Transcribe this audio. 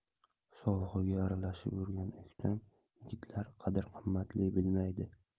sovug'iga aralashib yurgan o'ktam yigitlar qadr qimmatli bilmaydi